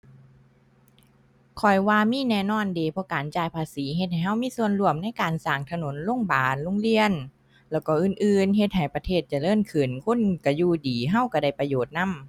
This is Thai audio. ข้อยว่ามีแน่นอนเดะ เพราะการจ่ายภาษีเฮ็ดให้เรามีส่วนร่วมในการสร้างถนน โรงบาล โรงเรียน แล้วก็อื่นอื่นเฮ็ดให้ประเทศเจริญขึ้น คนเราอยู่ดี เราเราได้ประโยชน์นำ